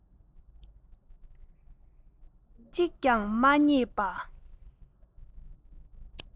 རྐང གཅིག ཀྱང མ རྙེད པ